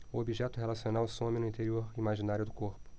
o objeto relacional some no interior imaginário do corpo